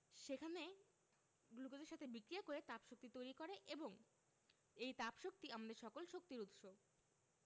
সেখানে গ্লুকোজের সাথে বিক্রিয়া করে তাপশক্তি তৈরি করে এবং এই তাপশক্তি আমাদের সকল শক্তির উৎস